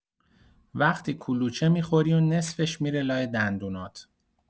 وقتی کلوچه می‌خوری و نصفش می‌ره لای دندونات!